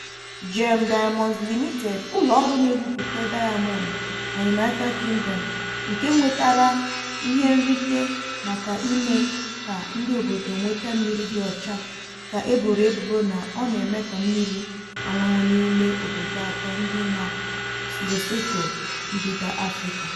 Gem Diamonds Limited, ụlọọrụ na-egwupụta dayamọndụ na United Kingdom nke nwetara ihenrite maka ime ka ndị obodo nweta mmiri dị ọcha, ka e boro ebubo na ọ na-emetọ mmiri ọṅụṅụ n'ime obodo atọ dị na Lesotho, ndịda Afrịka.